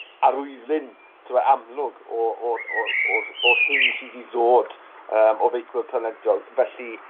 arwyddlyn t'mo' amlwg o o o o'r o'r hyn sydd i ddod yym o feicwyr talentog felly